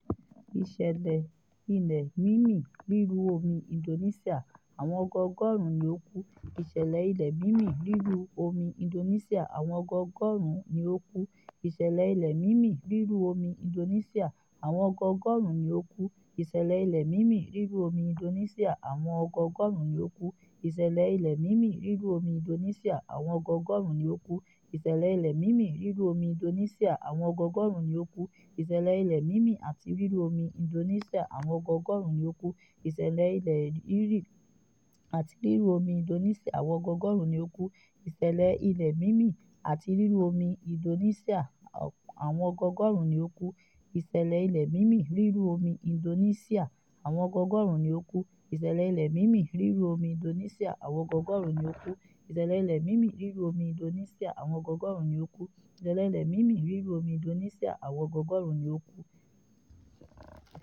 ìṣẹlẹ ilẹ mimi riru omi Indonesia: awọn ogogorun ni o ku